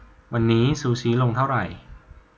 วันนี้ซูชิลงเท่าไหร่